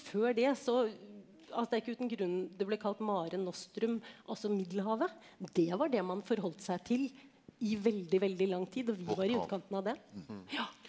før det så det er ikke uten grunn det ble kalt Mare Nostrum altså Middelhavet det var det man forholdt seg til i veldig veldig lang tid, og vi var i utkanten av det ja.